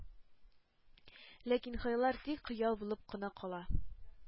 Ләкин хыяллар тик хыял булып кына кала.